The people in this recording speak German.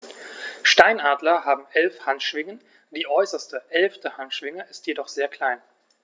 Steinadler haben 11 Handschwingen, die äußerste (11.) Handschwinge ist jedoch sehr klein.